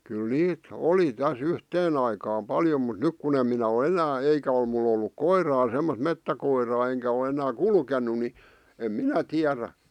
kyllä niitä oli tässä yhteen aikaan paljon mutta nyt kun en minä ole enää eikä ole minulla ollut koiraa semmoista metsäkoiraa enkä ole enää kulkenut niin en minä tiedä